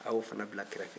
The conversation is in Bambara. a y'o fana bila kɛrɛfɛ